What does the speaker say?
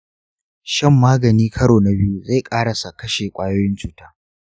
shan magani karo na biyu zai karasa kashe ƙwayoyin cuta.